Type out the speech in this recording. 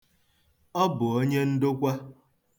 Ọ bụ onye ndokwa.